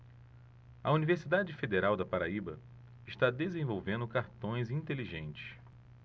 a universidade federal da paraíba está desenvolvendo cartões inteligentes